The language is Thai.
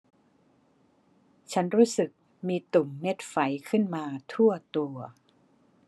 ฉันรู้สึกมีตุ่มเม็ดไฝขึ้นมาทั่วตัว